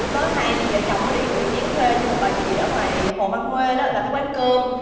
lúc đó hai vợ chồng mới đi rửa chén thuê cho một bà chị ở ngoài hồ văn huê đó là cái quán cơm